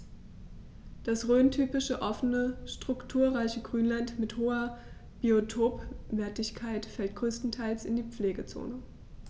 Das rhöntypische offene, strukturreiche Grünland mit hoher Biotopwertigkeit fällt größtenteils in die Pflegezone.